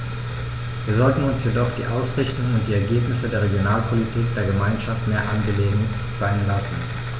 Wir sollten uns jedoch die Ausrichtung und die Ergebnisse der Regionalpolitik der Gemeinschaft mehr angelegen sein lassen.